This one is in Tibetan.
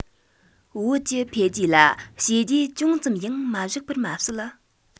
བོད ཀྱི འཕེལ རྒྱས ལ བྱས རྗེས ཅུང ཙམ ཡང མ བཞག པར མ ཟད